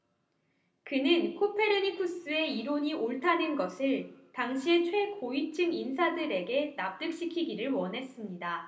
그는 코페르니쿠스의 이론이 옳다는 것을 당시의 최고위층 인사들에게 납득시키기를 원했습니다